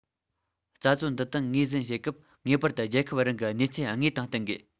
རྩ དོན འདི དག ངོས ཟིན བྱེད སྐབས ངེས པར དུ རྒྱལ ཁབ རང གི གནས ཚུལ དངོས དང བསྟུན དགོས